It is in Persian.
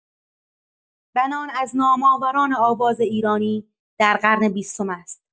بنان از نام‌آوران آواز ایرانی در قرن بیستم است.